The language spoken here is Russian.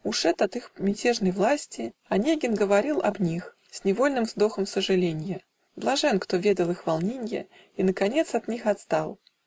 Ушед от их мятежной власти, Онегин говорил об них С невольным вздохом сожаленья: Блажен, кто ведал их волненья И наконец от них отстал